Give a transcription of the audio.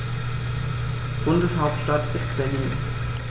Bundeshauptstadt ist Berlin.